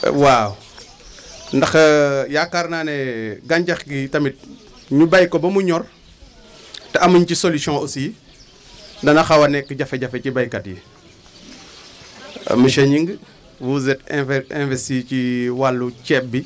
waaw ndax yaakaar naa ne gàncax gi tamit ñu bàyyi ko ba mu ñor te amuñ ci solution aussi dana xaw a nekk jafé-jafe ci béykat yi monsieur Gningue vous vous êtes inves investi ci wàllu ceeb bi